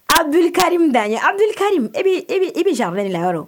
Adurika d'an yedu i bɛ janfi la yɔrɔ